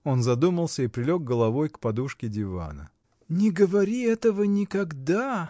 Он задумался и прилег головой к подушке дивана. — Не говори этого никогда!